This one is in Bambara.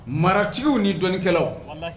Maratigiw ni dɔnikɛlaw walahi